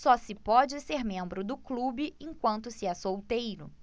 só se pode ser membro do clube enquanto se é solteiro